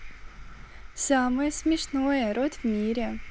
самое смешное рот в мире